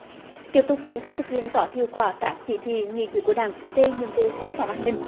tiếp tục triển khai thực hiện có hiệu quả các chỉ thị nghị quyết của đảng về nhiệm vụ quốc phòng an ninh